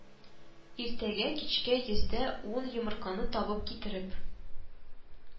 – иртәгә кичкә йөз дә ун йомырканы табып китереп